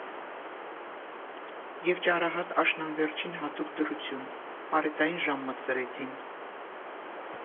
Եվ ճարահատ աշնան վերջին հատուկ դրություն, պարետային ժամ մտցրեցին.